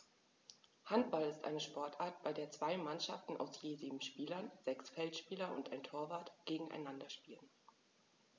Handball ist eine Sportart, bei der zwei Mannschaften aus je sieben Spielern (sechs Feldspieler und ein Torwart) gegeneinander spielen.